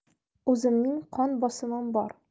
o'zimning qon bosimim bor